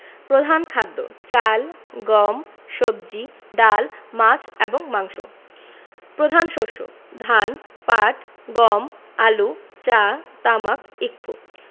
প্রধান খাদ্যঃ চাল গম সবজি ডাল মাছ এবং মাংস প্রধান শস্যঃ ধান পাট গম আলু চা তামাক ইক্ষু